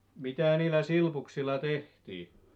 mitä niillä silpuksilla tehtiin